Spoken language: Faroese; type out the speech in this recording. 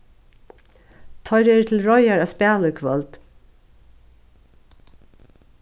teir eru til reiðar at spæla í kvøld